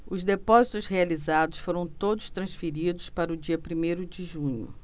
os depósitos realizados foram todos transferidos para o dia primeiro de junho